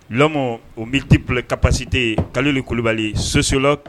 Lɔɔn u bɛ diplɛ pa pasite kalolili kulubali sososulo